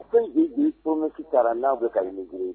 Fɛn joli-joli promesse tara n'a bɛ ka inaugurer